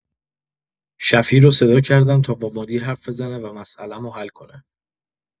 شفیع رو صدا کردم تا با مدیر حرف بزنه و مسئله‌مو حل کنه.